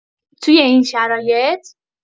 توی این شرایط